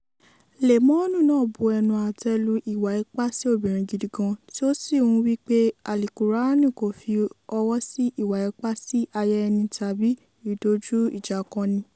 Lèmọ́mù náà bú ẹnu àtẹ́ lu ìwà ipa sí obìnrin gidi gan, tí ó sì ń wí pé Àlìkùránì kò fi ọwọ́ sí ìwà ipá sí aya ẹni tàbí ìdojú-ìjàkọni.